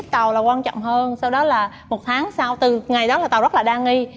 tàu là quan trọng hơn sau đó là một tháng sau từ ngày đó là tàu rất là đa nghi